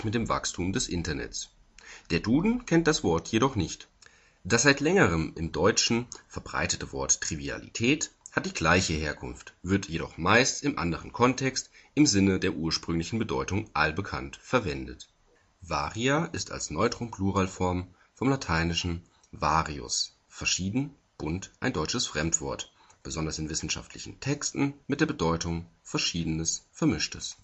dem Wachstum des Internets. Der Duden kennt das Wort jedoch nicht. Das seit längerem im Deutschen verbreitete Wort Trivialität hat die gleiche Herkunft, wird jedoch meist im anderen Kontext im Sinne der ursprünglichen Bedeutung „ allbekannt “verwendet. Varia ist als Neutrum-Pluralfrom von lat. varius, „ verschieden “,„ bunt “ein deutsches Fremdwort, besonders in wissenschaftlichen Texten, mit der Bedeutung „ Verschiedenes “,„ Vermischtes